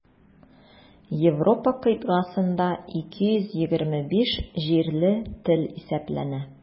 Европа кыйтгасында 225 җирле тел исәпләнә.